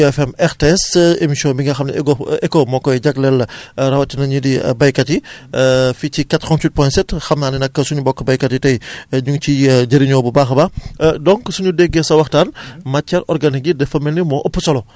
mbokku auditeurs yi ma fàttali leen ba tay yéen a ngi déglu Louga FM RTS émission bi nga xam ne ECHO ECHO moo koy jagleel rawatina ñii di baykat yi fii ci 88.7 xam naa ne nag suñu mbokku baykat yi tay ñu ngi ciy jariñoo bu baax a baax donc suñu déggee sa waxtaan